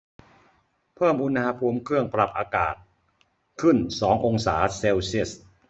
เพิ่มอุณหภูมิเครื่องปรับอากาศขึ้นสององศาเซลเซียส